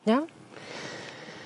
Iawn?